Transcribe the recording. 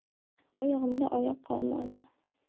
oyog'imda oyoq qolmadi